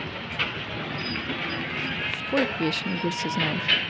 спой песню если знаешь